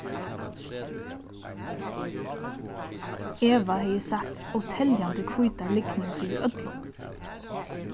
eva hevði sagt óteljandi hvítar lygnir fyri øllum